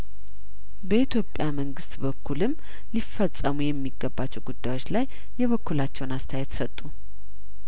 በኢትዮጵያ መንግስት በኩልም ሊፈጸሙ የሚገባቸው ጉዳዮች ላይ የበኩላቸውን አስተያየት ሰጡ